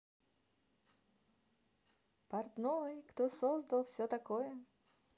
портной кто создал все такое